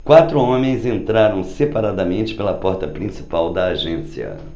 quatro homens entraram separadamente pela porta principal da agência